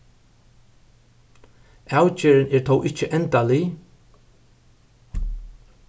avgerðin er tó ikki endalig